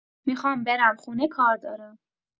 میخوام برم خونه کار دارم.